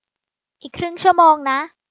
อีกครึ่งชั่วโมงนะ